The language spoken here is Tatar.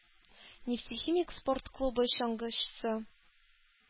«нефтехимик» спорт клубы чаңгычысы